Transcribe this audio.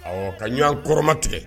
Ɔ ka ɲɔgɔn kɔrɔ ma tigɛ